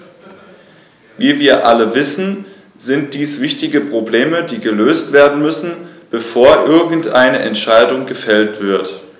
Wie wir alle wissen, sind dies wichtige Probleme, die gelöst werden müssen, bevor irgendeine Entscheidung gefällt wird.